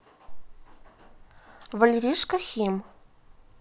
валеришка хим